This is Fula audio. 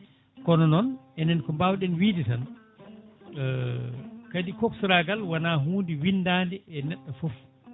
kono noon enen ko mbawɗen wiide tan kadi coxeur ragal wona hunde windade e neɗɗo foof